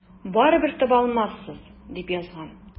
Барыбер таба алмассыз, дип язган.